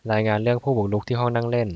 รายงานเรื่องผู้บุกรุกที่ห้องนั่งเล่น